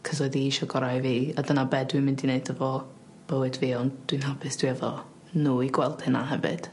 'c'os oedd 'i isio gora' i fi a dyna be' dwi'n mynd i wneud efo bywyd fi ond dwi'n hapus dwi efo n'w i gweld hynna hefyd.